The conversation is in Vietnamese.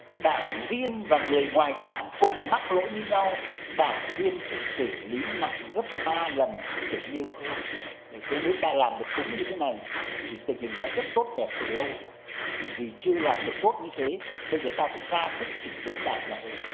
đảng viên và người ngoài đảng cùng mắc lỗi như nhau đảng viên phải xử lý nặng gấp ba lần để nêu gương đấy nếu ta làm được đúng như thế này thì tình hình đã rất tốt đẹp từ lâu rồi vì vì chưa làm được tốt như thế bây giờ ta phải ra sức chỉnh đốn đảng là thế